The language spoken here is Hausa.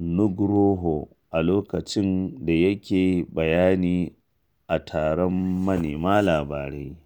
Nugroho a lokacin da yake bayani a taron manema labarai.